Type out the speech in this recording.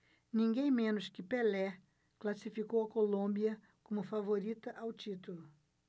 ninguém menos que pelé classificou a colômbia como favorita ao título